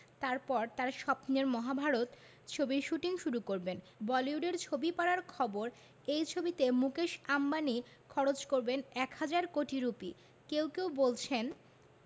তারপর তাঁর স্বপ্নের মহাভারত ছবির শুটিং শুরু করবেন বলিউডের ছবিপাড়ার খবর এই ছবিতে মুকেশ আম্বানি খরচ করবেন এক হাজার কোটি রুপি কেউ কেউ বলছেন